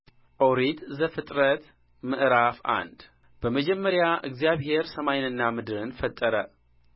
ኦሪት ዘፍጥረት ምዕራፍ አንድ በመጀመሪያ እግዚአብሔር ሰማይንና ምድርን ፈጠረ